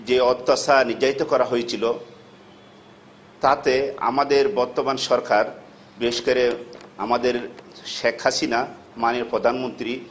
যে অত্যাচার নির্যাতিত করা হয়েছিল তাতে আমাদের বর্তমান সরকার বিশেষ করে আমাদের শেখ হাসিনা মাননীয় প্রধানমন্ত্রী